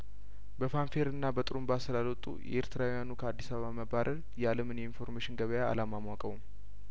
በፋን ፌርና በጥሩንባ ስላልወጡ የኤርትራውያኑ ከአዲስ አበባ መባረር የአለምን የኢንፎርሜሽን ገበያአላ ሟሟቀውም